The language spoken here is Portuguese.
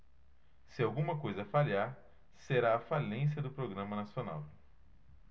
se alguma coisa falhar será a falência do programa nacional